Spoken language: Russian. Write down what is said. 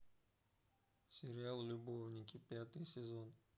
сериал любовники пятый сезон